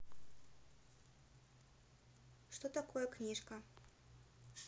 что такое книжка